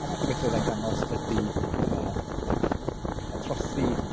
Y math o bethau fyddai'n dangos ydy yy pethau trosi.